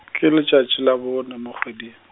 ke letšatši la bone mo kgwedi.